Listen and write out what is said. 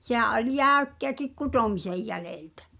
sehän oli jäykkääkin kutomisen jäljeltä